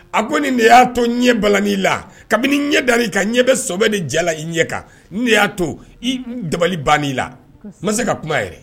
A ko nin de y'a to ɲɛ ba' la kabini ɲɛ da i kan ɲɛ bɛ sobɛ de jɛ la i ɲɛ kan ne y'a to i dabali ban' la n ma se ka kuma yɛrɛ